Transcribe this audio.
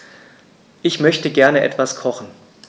Ich möchte gerne etwas kochen.